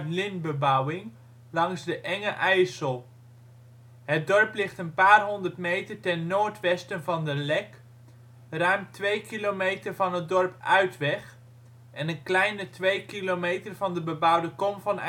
lintbebouwing langs de Enge IJssel. Het dorp ligt een paar honderd meter ten noordwesten van de Lek, ruim twee kilometer van het dorp Uitweg en een kleine twee kilometer van de bebouwde kom van